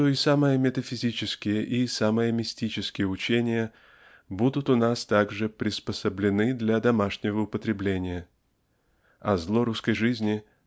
что и самые метафизические и самые мистические учения будут у нас также приспособлены для. домашнего употребления. А зло русской жизни